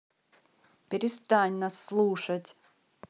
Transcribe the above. перестань нас слушать